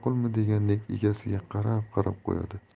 degandek egasiga qarab qarab qo'yadi